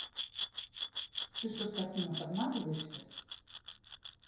ты что скотина подмазываешься